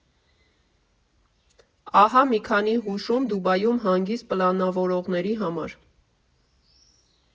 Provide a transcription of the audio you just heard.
Ահա մի քանի հուշում՝ Դուբայում հանգիստ պլանավորողների համար։